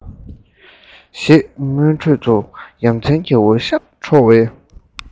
ཞེས མུན ཁྲོད དུ ཡ མཚན གྱི འོད ཞགས འཕྲོ བའི